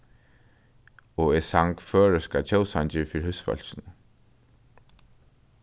og eg sang føroyska tjóðsangin fyri húsfólkinum